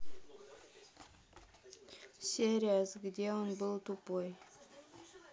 серия с где он был тупой